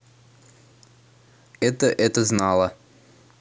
это это знала